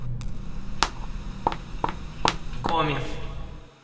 коми